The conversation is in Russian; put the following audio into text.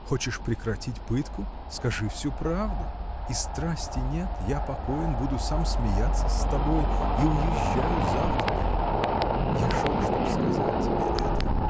Хочешь прекратить пытку: скажи всю правду — и страсти нет, я покоен, буду сам смеяться с тобой и уезжаю завтра же. Я шел, чтоб сказать тебе это.